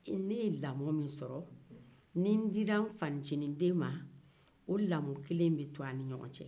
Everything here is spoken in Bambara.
ne ye lamɔ min sɔrɔ ni ne dila ne fancininden ma o lamɔ kelen bɛ to an ni ɲɔgɔn cɛ